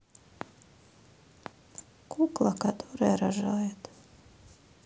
кукла которая рожает